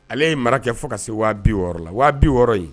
Ale ye mara kɛ fo ka se wa bi yɔrɔ la wa bi yɔrɔ in